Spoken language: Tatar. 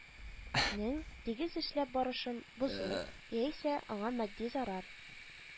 Нең тигез эшләп барышын бозу, яисә аңа матди зарар